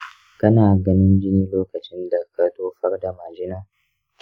kana ganin jini lokacin da ka tofar da majina?